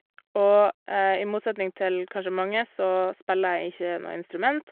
Og i motsetning til kanskje mange, så spiller jeg ikke noe instrument.